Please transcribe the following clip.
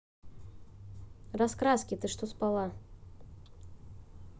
раскраски ты что спала